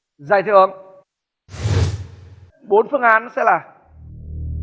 giải thưởng bốn phương án sẽ là